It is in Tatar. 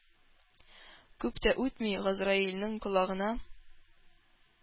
Күп тә үтми, газраилнең колагына